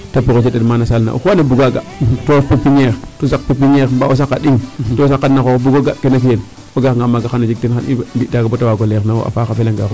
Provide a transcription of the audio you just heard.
Ta projeter tel maana salle naa axu andoona yee buga ga' to ref pépieriste mbaa o saq pépiniere mbaa o saq a ɗing o garangaa maaga xana jeg ten xan i mbi'taayo ba ta waag o leer na wo a paax a felangaa roog.